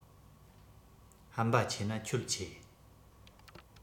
ཧམ པ ཆེ ན ཁྱོད ཆེ